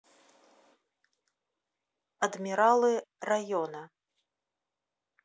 адмиралы района